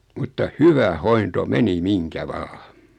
mutta hyvä hoito meni mihinkä vain